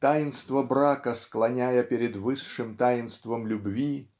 таинство брака склоняя перед высшим таинством любви